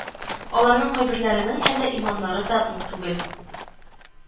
Аларның кайберләренең әле иманнары да нык түгел